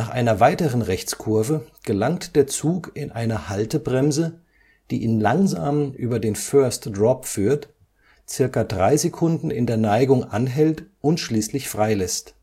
einer weiteren Rechtskurve gelangt der Zug in eine Haltebremse, die ihn langsam über den First Drop führt, ca. drei Sekunden in der Neigung anhält und schließlich freilässt